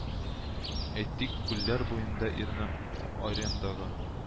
Әйтик, күлләр буенда ирне арендага